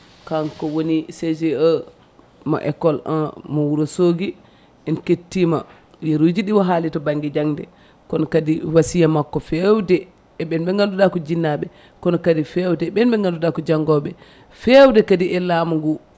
kanko woni CGE mo école 1 mo Wourossogui en kettima yeeruji ɗi o haali to banggue jangde kono kadi wasiya makko fewde e ɓen ɓe ganduɗa ko jinnaɓe kono kadi fewde ɓen ɓe ganduɗa ko janggoɓe fewde kadi e laamu ngu